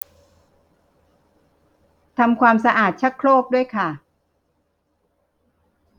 ทำความสะอาดชักโครกด้วยค่ะ